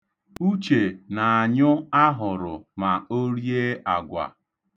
Uche na-anyụ ahụrụ ma o rie agwa.